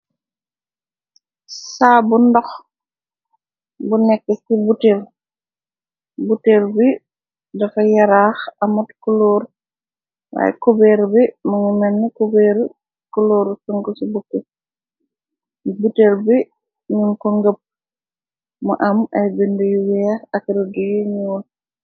Saa bu ndox, bu nekk ci butel, bi daka yaraax amot kuloor, waaye kubeer bi mungi menne kubeer kulooru sunk ci bukk, butel bi ñum ko ngëpp, mu am ay bind yu weex, ak rug yi ñuul.